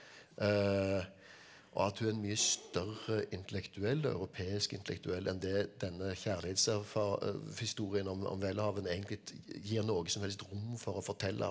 og at hun er en mye større intellektuell europeisk intellektuell, enn det denne historien om om Welhaven egentlig gir noe som helst rom for å fortelle.